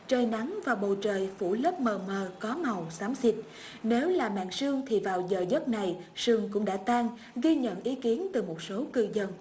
trời nắng và bầu trời phối lớp mờ mờ có màu xám xịt nếu là màn sương thì vào giờ giấc này sương cũng đã tan ghi nhận ý kiến từ một số cư dân